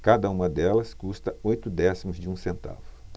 cada uma delas custa oito décimos de um centavo